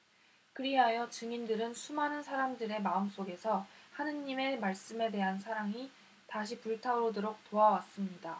그리하여 증인들은 수많은 사람들의 마음속에서 하느님의 말씀에 대한 사랑이 다시 불타오르도록 도와 왔습니다